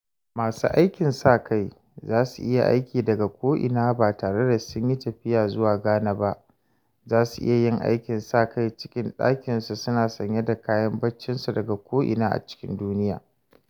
Masu aikin sa-kai za su iya aiki daga ko ina ba tare da sun yi tafiya zuwa Ghana ba; za su iya yin aikin sa-kai a cikin ɗakin su suna sanye da kayan baccin su daga ko'ina cikin duniya.